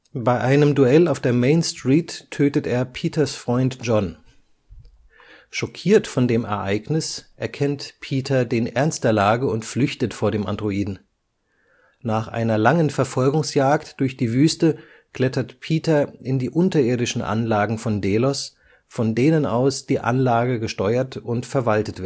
Bei einem Duell auf der Main Street tötet er Peters Freund John. Schockiert von dem Ereignis erkennt Peter den Ernst der Lage und flüchtet vor dem Androiden. Nach einer langen Verfolgungsjagd durch die Wüste klettert Peter in die unterirdischen Anlagen von Delos, von denen aus die Anlage gesteuert und verwaltet